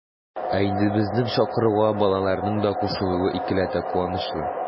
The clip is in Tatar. Ә инде безнең чакыруга балаларның да кушылуы икеләтә куанычлы.